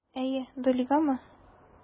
Әйе, Доллигамы?